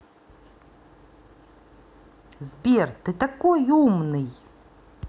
сбер ты такой умный